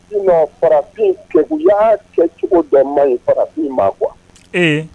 I ma farafin y'a cɛ cogo dɔ ma farafin ma kuwa